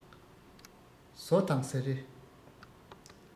ཟོ དང ཟེར